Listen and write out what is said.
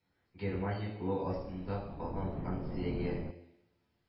Германия кулы астында калган Франциягә,